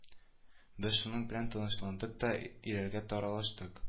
Без шуның белән тынычландык та өйләргә таралыштык